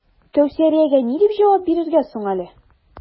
Кәүсәриягә ни дип җавап бирергә соң әле?